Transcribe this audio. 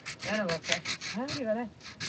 Dyna fo te. Nawn ni fyn 'na.